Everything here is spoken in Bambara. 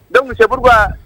Dɔnkili seuruba